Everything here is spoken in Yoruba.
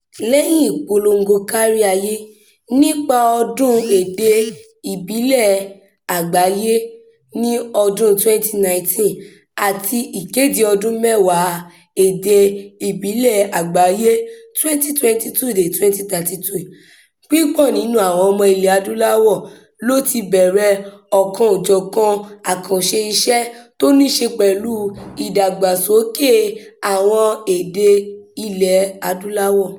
Lẹ́yìn ìpolongo kárí ayé nípa Ọdún Èdè Ìbílẹ̀ Àgbáyé ní ọdún 2019 àti ìkéde Ọdún mẹ́wàá Èdè Ìbílẹ̀ Àgbáyé 2022-2032, púpọ̀ nínú àwọn ọmọ Ilẹ̀-Adúláwọ̀ ló ti bẹ̀rẹ̀ ọ̀kan-ò-jọ̀kan àkànṣe iṣẹ́ tó ní ṣe pẹ̀lú ìdàgbàsókè àwọn èdè Ilẹ̀-Adúláwọ̀.